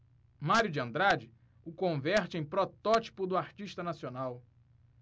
mário de andrade o converte em protótipo do artista nacional